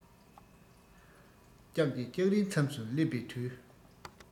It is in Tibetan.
ལྕགས ཀྱི ལྕགས རིའི མཚམས སུ སླེབས པའི དུས